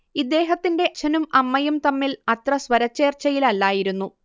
ഇദ്ദേഹത്തിന്റെ അച്ഛനും അമ്മയും തമ്മിൽ അത്ര സ്വരചേർച്ചയിലല്ലായിരുന്നു